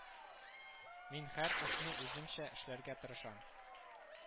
Мин һәр эшне үземчә эшләргә тырышам